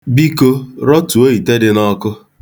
Biko, rọtuo ite dị n'ọkụ.